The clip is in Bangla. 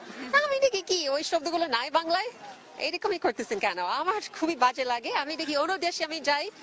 একি এই শব্দগুলোর নাই বাংলায় এরকম করতেছেন কেন আমার খুবই বাজে লাগে আমি দেখি অন্য দেশে আমি যাই